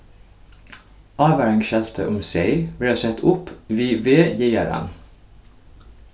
ávaringarskelti um seyð verða sett upp við vegjaðaran